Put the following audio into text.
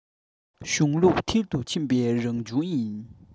གཞུང ལུགས མཐིལ དུ ཕྱིན པའི རབ བྱུང ཡིན